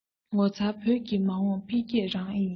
ངོ མཚར བོད ཀྱི མ འོངས འཕེལ རྒྱས རང ཨེ ཡིན